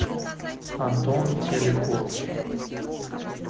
антон телеков